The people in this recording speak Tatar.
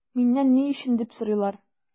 Миннән “ни өчен” дип сорыйлар.